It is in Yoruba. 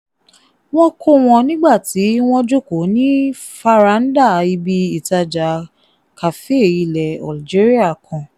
Wọ́n kó wọn nígbà tí wọ́n jókòó ní fàráńdà ibi ìtajà cafe ilẹ̀ Algeria Kan.